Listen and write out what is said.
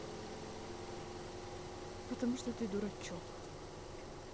потому что ты дурачок